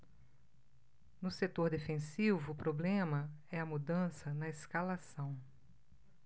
no setor defensivo o problema é a mudança na escalação